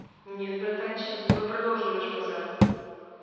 нет братанчик давай продолжим наш базар